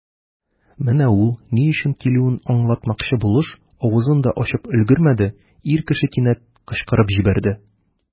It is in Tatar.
Менә ул, ни өчен килүен аңлатмакчы булыш, авызын да ачып өлгермәде, ир кеше кинәт кычкырып җибәрде.